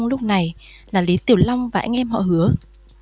lúc này là lý tiểu long và anh em họ hứa